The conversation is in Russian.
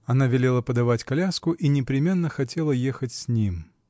Она велела подавать коляску и непременно хотела ехать с ним.